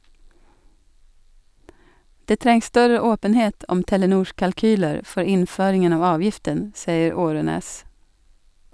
- Det trengs større åpenhet om Telenors kalkyler for innføringen av avgiften, sier Aarønæs.